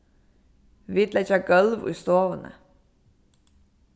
vit leggja gólv í stovuni